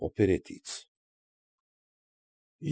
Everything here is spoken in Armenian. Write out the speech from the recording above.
Օպերետից։